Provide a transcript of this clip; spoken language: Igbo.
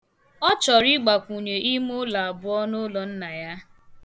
Ọ chọrọ ịgbakwunye imụlọ abụọ n'ụlọ nna ya.